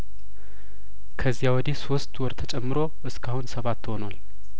ከዚያወዲህ ሶስት ወር ተጨምሮ እስካሁን ሰባት ሆኗል